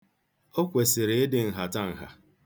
O kwesiri ịdị nhatanha.